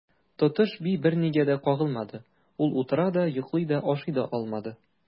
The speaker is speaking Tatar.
Тотыш би бернигә дә кагылмады, ул утыра да, йоклый да, ашый да алмады.